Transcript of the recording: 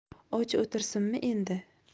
och o'tirsinmi endi